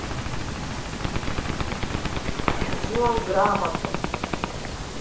джой грамоту